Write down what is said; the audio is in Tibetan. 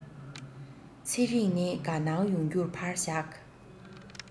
ཚེ རིང ནི དགའ སྣང ཡོང རྒྱུ ཕར བཞག